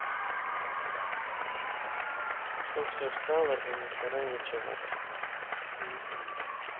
что все встало и нихрена ничего